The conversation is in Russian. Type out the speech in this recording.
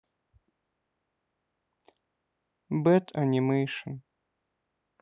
бэд анимейшен